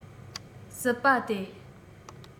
སྲིད པ སྟེ